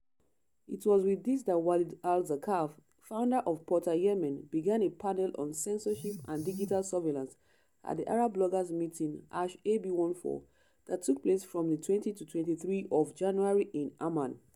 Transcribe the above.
It was with this that Walid Al-Saqaf, founder of Portal Yemen, began a panel on censorship and digital surveillance at the Arab Bloggers Meeting #AB14 that took place from the 20-23 of January in Amman.